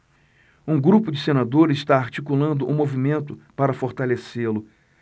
um grupo de senadores está articulando um movimento para fortalecê-lo